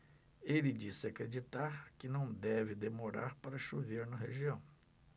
ele disse acreditar que não deve demorar para chover na região